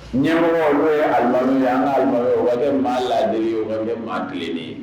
Ɲmɔgɔ yelimalima maa lajɛ ma dilanlen ye